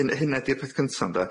Hunna di'r peth cynta ynde?